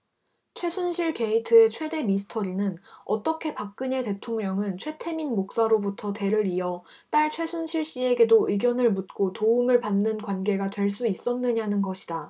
최순실 게이트의 최대 미스터리는 어떻게 박근혜 대통령은 최태민 목사로부터 대를 이어 딸 최순실씨에게도 의견을 묻고 도움을 받는 관계가 될 수 있었느냐는 것이다